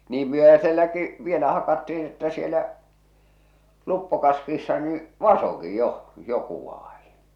niin myöhäiselläkin vielä hakattiin että siellä luppokaskissa niin vasakin jo joku vaadin